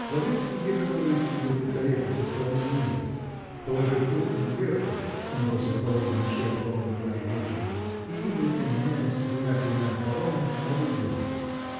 Лаврецкий ехал рысью возле кареты со стороны Лизы, положив руку на дверцы -- он бросил поводья на шею плавно бежавшей лошади -- и изредка меняясь двумя-тремя словами с молодой девушкой.